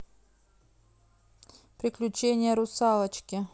приключения русалочки